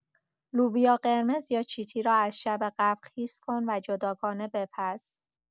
لوبیا قرمز یا چیتی را از شب قبل خیس کن و جداگانه بپز.